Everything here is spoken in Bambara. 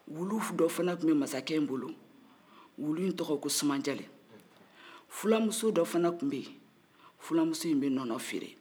wulu dɔ fana tun bɛ masakɛ in bolo wulu in tɔgɔ ye ko sumajale fla muso dɔ fana tun bɛ yen filamuso in bɛ nɔnɔ feere